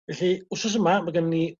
felly wsos yma ma' gen ni